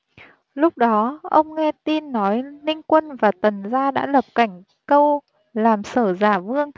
lúc đó ông nghe tin nói ninh quân và tần gia đã lập cảnh câu làm sở giả vương